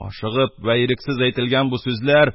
Ашыгып вә ирексез әйтелгән бу сүзләр